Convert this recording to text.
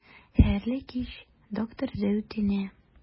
Хәерле кич, доктор Зәйтүнә.